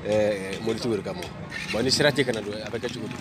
Ɛɛ mori tɛ wele kama ma bon ni sera tɛ ka na don a bɛ cogo